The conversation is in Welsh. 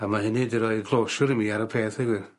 A ma' hynny 'di roi closure i mi ar y peth ddeu gwir.